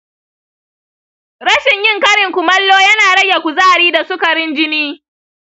rashin yin karin kumallo yana rage kuzari da sukarin jini.